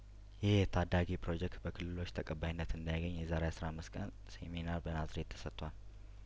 ይህ የታዳጊ ፕሮጀክት በክልሎች ተቀባይነት እንዲያገኝ የዛሬ አስራ አምስት ቀን ሴሚናር በናዝሬት ተሰጥቷል